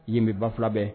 Yen bɛ banula bɛɛ